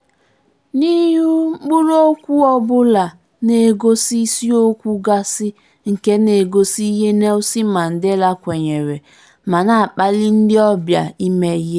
N'ihu mkpụrụ okwu ọbụla na-egosi isi okwu gasị nke na-egosi ihe Nelson Mandela kwenyere ma na-akpali ndị ọbịa ịme ihe.